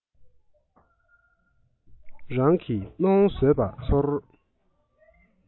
རང གིས ནོངས བཟོས པ ཚོར